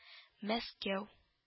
Мәскәү